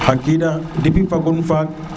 xa giña depuis fagum faag